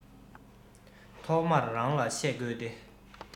ཐོག མར རང ལ བཤད དགོས ཏེ